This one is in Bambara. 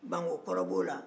bankokɔrɔ b'o la